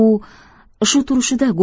u shu turishida